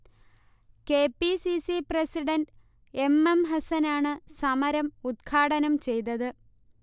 K. P. C. C president M. M. ഹസനാണ് സമരം ഉദ്ഘാടനം ചെയ്തത്